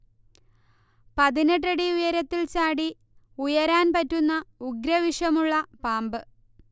പതിനെട്ട് അടിഉയരത്തിൽ ചാടി ഉയരാൻ പറ്റുന്ന ഉഗ്രവിഷമുള്ള പാമ്പ്